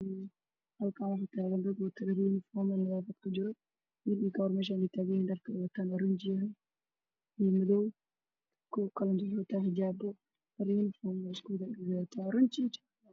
Halkaan waxaa taagan dad wato dhar yunifoom ah oo nadaafad ku jira wiil iyo gabar meeshaan taagan yihiin dhar ay wataan oranji ah iyo madow kuwa kalane waxay wataan xijaabo wataa oranji.